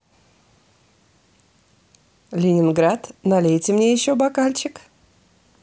ленинград налейте мне еще бокальчик